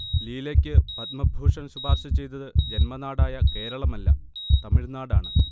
ലീലയ്ക്ക് പദ്മഭൂഷൺ ശുപാർശ ചെയ്തത് ജന്മനാടായ കേരളമല്ല, തമിഴ്നാടാണ്